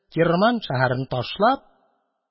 Кирман шәһәрен ташлап